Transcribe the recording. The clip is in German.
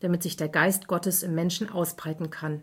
damit sich der Geist Gottes im Menschen ausbreiten kann.